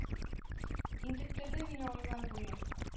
Интектерде мине айлар буе